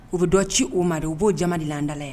U bɛ dɔn ci o ma u b'o jama de lalanda ye